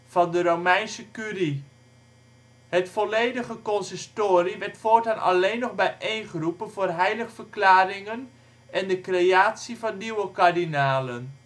van de Romeinse Curie. Het volledige consistorie werd voortaan alleen nog bijeengeroepen voor heiligverklaringen en de creatie van nieuwe kardinalen